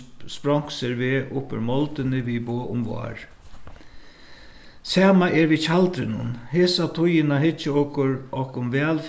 sprongt sær veg upp úr moldini við boð um vár sama er við tjaldrinum hesa tíðina hyggja okur okkum væl